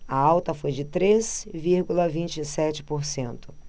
a alta foi de três vírgula vinte e sete por cento